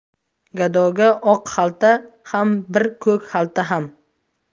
gadoga oq xalta ham bir ko'k xalta ham